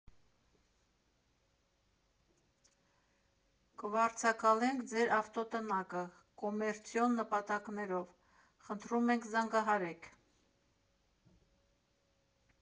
Կվարձակալենք ձեր ավտոտնակը կոմերցիոն նպատակներով, խնդրում ենք՝ զանգահարեք։